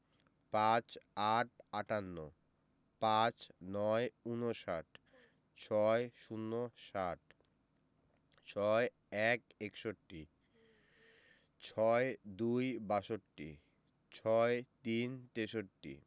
৫৮ – আটান্ন ৫৯ - ঊনষাট ৬০ - ষাট ৬১ – একষট্টি ৬২ – বাষট্টি ৬৩ – তেষট্টি